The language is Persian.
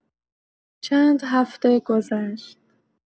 چند هفته گذشت.